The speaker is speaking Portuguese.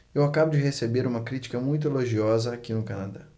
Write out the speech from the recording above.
eu acabo de receber uma crítica muito elogiosa aqui no canadá